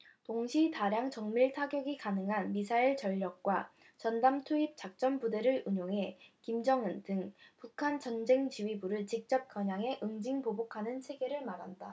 동시 다량 정밀타격이 가능한 미사일 전력과 전담 투입 작전부대를 운용해 김정은 등 북한 전쟁지휘부를 직접 겨냥해 응징 보복하는 체계를 말한다